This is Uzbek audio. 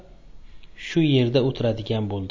shu yerda o'tiradigan bo'ldi